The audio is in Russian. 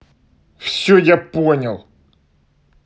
все я понял